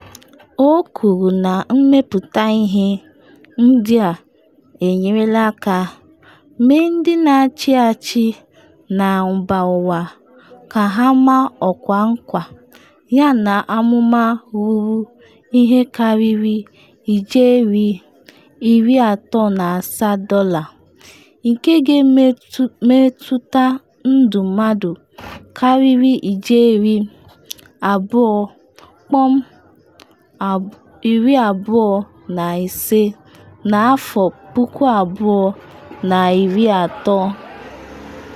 O kwuru na mmepụta ihe ndị a enyerela aka mee ndị na-achị achị na mba ụwa ka ha maa ọkwa nkwa yana amụma ruru ihe karịrị ijeri $37, nke ga-emetụta ndụ mmadụ karịrị ijeri 2.25 na 2030.